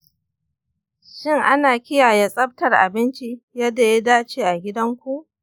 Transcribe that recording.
shin ana kiyaye tsaftar abinci yadda ya dace a gidanku?